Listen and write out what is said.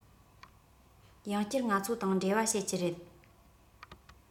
ཡང བསྐྱར ང ཚོ དང འབྲེལ བ བྱེད ཀྱི རེད